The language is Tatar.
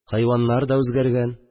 Хайваннар да үзгәргән